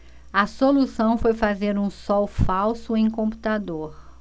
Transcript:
a solução foi fazer um sol falso em computador